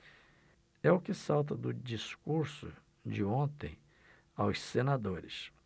é o que salta do discurso de ontem aos senadores